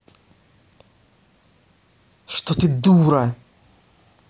что ты дура